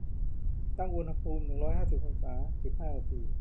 ตั้งอุณหภูมิหนึ่งร้อยห้าสิบองศาสิบห้านาที